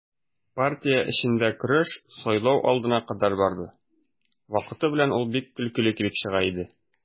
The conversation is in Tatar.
Партия эчендә көрәш сайлау алдына кадәр барды, вакыты белән ул бик көлкеле килеп чыга иде.